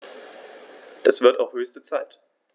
Das wird auch höchste Zeit!